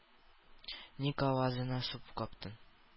Ник авызыңа су каптың?